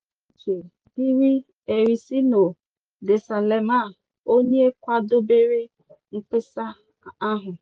Ekele pụrụ ichie diri Ericino de Salema onye kwadobere mkpesa ahụ.